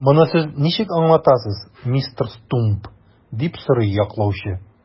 Моны сез ничек аңлатасыз, мистер Стумп? - дип сорый яклаучы.